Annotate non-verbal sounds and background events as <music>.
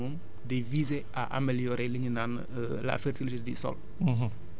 boo xamante ni moom day viser à améliorer li ñu naan <hesitation> la fertilité du sol